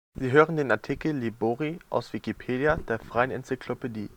Sie hören den Artikel Libori, aus Wikipedia, der freien Enzyklopädie